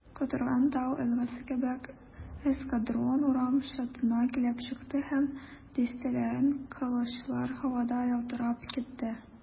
Котырган тау елгасы кебек эскадрон урам чатына килеп чыкты, һәм дистәләгән кылычлар һавада ялтырап китте.